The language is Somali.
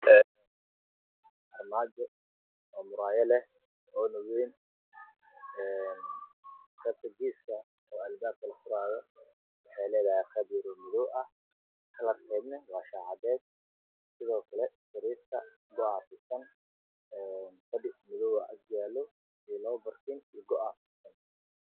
Waa armaajo wayn oo muraayad leh, qeybta geeska oo albaabka ah waxay ku leeyahay qeyb yar oo madow, kalarkeedu waa shaax cadeys ah. Sariirta go ayaa kufidsan fadhi madow ayaa agyaalo iyo labo barkin.